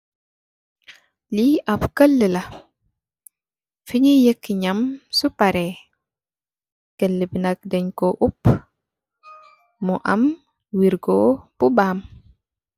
Lii këllë la, fi ñuy yakkë ñam, su paré, këllë bi nak dñg ko tëg, ñu am wergoo bu baam.